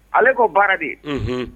Ale ko baara de ye h